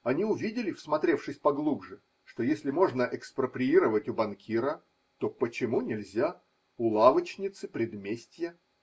Они увидели, всмотревшись поглубже, что если можно экспроприировать у банкира, то почему нельзя у лавочницы предместья?